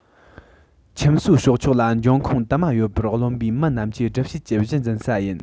ཁྱིམ གསོས སྲོག ཆགས ལ འབྱུང ཁུངས དུ མ ཡོད པར རློམ པའི མི རྣམས ཀྱི སྒྲུབ བྱེད ཀྱི གཞི འཛིན ས ནི